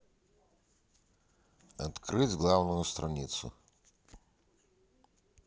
открыть главную страницу